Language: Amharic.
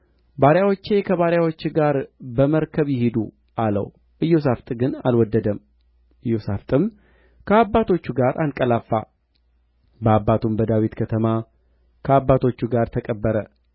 ባሪያዎቼ ከባሪያዎችህ ጋር በመርከብ ይሂዱ አለው ኢዮሣፍጥ ግን አልወደደም ኢዮሣፍጥም ከአባቶቹ ጋር አንቀላፋ በአባቱም በዳዊት ከተማ ከአባቶቹ ጋር ተቀበረ